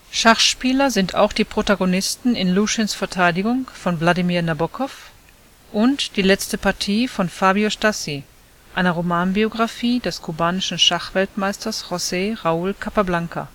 Schachspieler sind auch die Protagonisten in Lushins Verteidigung von Vladimir Nabokov und Die letzte Partie von Fabio Stassi, einer Romanbiografie des kubanischen Schachweltmeisters José Raúl Capablanca